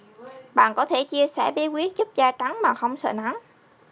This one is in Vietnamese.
bạn có thể chia sẻ bí quyết giúp da trắng mà không sợ nắng